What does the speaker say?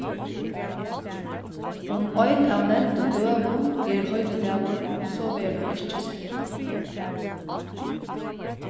um ein av nevndu døgum er heiligdagur so verður ikki sent